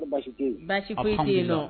Basi tɛ yen, basi foyi te yen nɔ, alihamidulilayi.